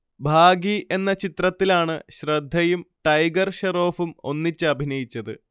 ഭാഗി എന്ന ചിത്രത്തിലാണ് ശ്രദ്ധയും ടൈഗർ ഷറോഫും ഒന്നിച്ചഭിനയിച്ചത്